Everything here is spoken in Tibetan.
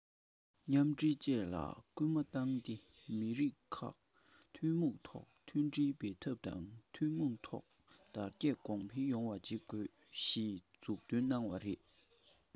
མཉམ འདྲེས བཅས ལ སྐུལ མ བཏང སྟེ མི རིགས ཁག ཐུན མོང ཐོག མཐུན སྒྲིལ འབད འཐབ དང ཐུན མོང ཐོག དར རྒྱས གོང འཕེལ ཡོང བ བྱེད དགོས ཞེས མཛུབ སྟོན གནང བ རེད